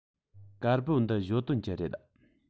དཀར པོ འདི ཞའོ ཏོན གྱི རེད